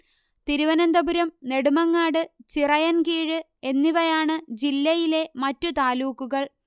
തിരുവനന്തപുരം നെടുമങ്ങാട് ചിറയൻകീഴ് എന്നിവയാണ് ജില്ലയിലെ മറ്റു താലൂക്കുകൾ